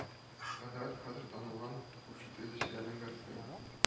Кондратов хәзер танылган күпер төзүчеләрнең берсе